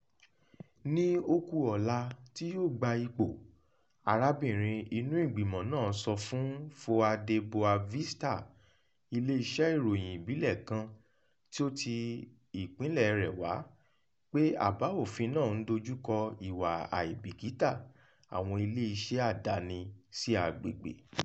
Ní ó-ku-ọ̀la tí yóò gba ipò, arábìnrin inú ìgbìmọ̀ náà sọ fún Folha de Boa Vista, ilé-iṣẹ́ ìròyìn ìbílẹ̀ kan tí ó ti ìpínlẹ̀ẹ rẹ̀ wá pé àbá òfin náà ń dojúkọ ìwà àìbìkítà àwọn iléeṣẹ́ àdáni sí agbègbè: